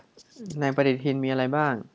ในปฎิทินมีอะไรบ้าง